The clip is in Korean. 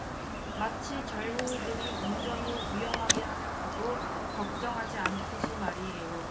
마치 젊은이들이 운전을 위험하게 하면서도 걱정하지 않듯이 말이에요